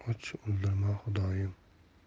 och o'ldirma xudoyim